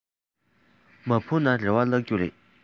མ འཕུར ན རེ བ བརླགས རྒྱུ རེད